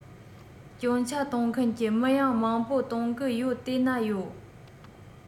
སྐྱོན ཆ སྟོན མཁན གྱི མི ཡང མང པོ གཏོང གི ཡོད དེ ན ཡོད